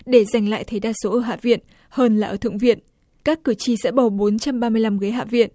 để giành lại thế đa số hạ viện hơn là ở thượng viện các cử tri sẽ bầu bốn trăm ba mươi lăm ghế hạ viện